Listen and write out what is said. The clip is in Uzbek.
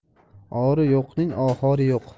ori yo'qning ohori yo'q